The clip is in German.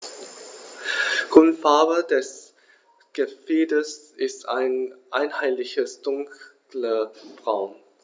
Grundfarbe des Gefieders ist ein einheitliches dunkles Braun.